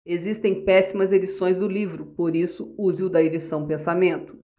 existem péssimas edições do livro por isso use o da edição pensamento